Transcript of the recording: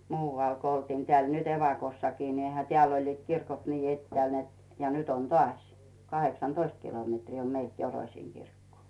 muualla kun oltiin täällä nyt evakossakin niin eihän täällä olivat kirkot niin etäällä että ja nyt on taas kahdeksantoista kilometriä on meiltä Joroisiin kirkkoon